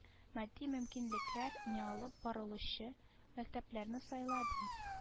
Матди мөмкинлекләр ниалып барылучы мәктәпләрне сайлады